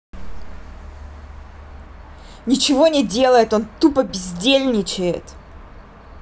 ничего не делает он тупо бездельничает